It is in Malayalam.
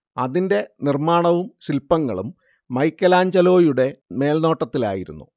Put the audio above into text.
അതിന്റെ നിർമ്മാണവും ശില്പങ്ങളും മൈക്കെലാഞ്ചലോയുടെ മേൽനോട്ടത്തിലായിരുന്നു